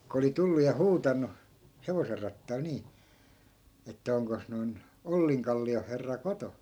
kun oli tullut ja huutanut hevosen rattailta niin että onkos noin Ollinkallion herra kotona